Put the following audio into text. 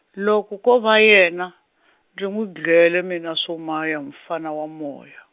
loko ko va yena, ndzi n'wi dlele mina Somaya mfana wa moya.